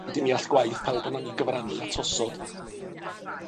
Wedyn mi all gwaith pawb onon ni gyfrannu at osod